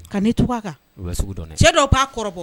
Ka'i tu b'a kan cɛ dɔw b'a kɔrɔbɔ